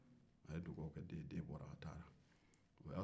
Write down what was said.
aye dugawu kɛ den ye a bɔra a taara